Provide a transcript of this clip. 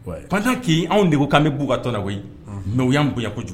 Pan k' anw de ko'an bɛ b ka tɔn koyi ɲɔ y'an bonyayan kojugu